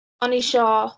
O'n i isio.